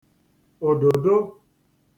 òdòdo